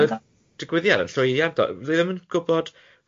digwyddiad yn llwyddiant o- fi ddim yn gwbod faint